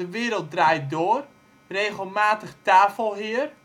Wereld Draait Door: regelmatige tafelheer